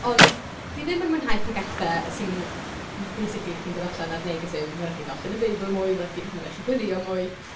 Ond fi ddim yn mwynhau pregethe sy'n... m- basically chi'n dod allan a'r neges yw "ma' raid i chi darllen y Beibl mwy ma' raid ti... ma' raid i chi gweddïo mwy".